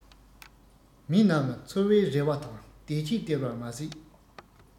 མི རྣམས ལ འཚོ བའི རེ བ དང བདེ སྐྱིད སྟེར བར མ ཟད